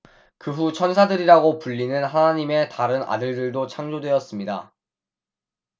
그 후 천사들이라고 불리는 하느님의 다른 아들들도 창조되었습니다